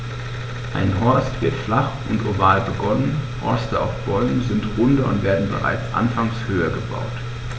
Ein Horst wird flach und oval begonnen, Horste auf Bäumen sind runder und werden bereits anfangs höher gebaut.